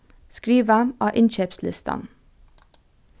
skriva á innkeypslistan